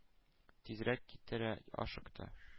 Тизрәк китәргә ашыкты.